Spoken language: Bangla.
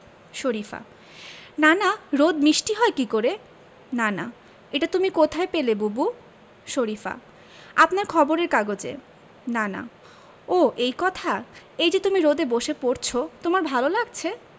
শরিফা নানা রোদ মিষ্টি হয় কী করে নানা এটা তুমি কোথায় পেলে বুবু শরিফা আপনার খবরের কাগজে নানা ও এই কথা এই যে তুমি রোদে বসে পড়ছ তোমার ভালো লাগছে